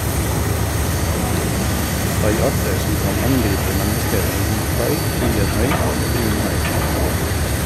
Haiarter som kan angripe mennesker er hvithai, tigerhai og brunhai.